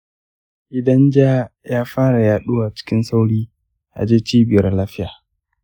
idan ja ya fara yaduwa cikin sauri, a je cibiyar lafiya.